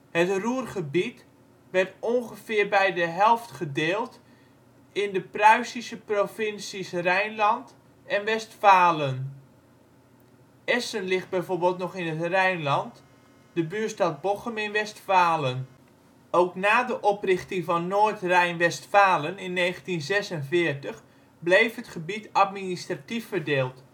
Het Ruhrgebied werd ongeveer bij de helft gedeeld in de Pruisische provincies Rijnland en Westfalen. Essen ligt bijvoorbeeld nog in het Rijnland, de buurstad Bochum in Westfalen. Ook na de oprichting van Noordrijn-Westfalen in 1946 bleef het gebied administratief verdeeld